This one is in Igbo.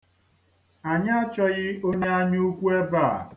Anyị achọghị onye anyaukwu ebe a.